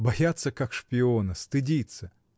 Бояться, как шпиона, стыдиться.